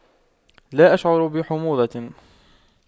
لا أشعر بحموضة